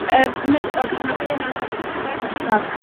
Yym m'e yn, odi ma' fe 'na hefyd ond cyferbyn...